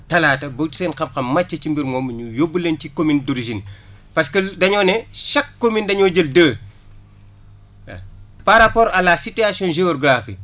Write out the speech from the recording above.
talaata ba seen xam-xam màcc ci mbir moomu ñu yóbbu leen ci commune d' origine bi parce que dañoo ne chaque commune dañoo jël deux waa par rapport à la situation géographique